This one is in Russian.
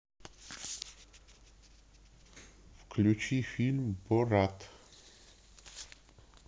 включи фильм борат